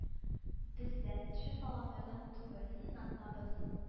Без дә төшеп калганнардан түгел сынатмабыз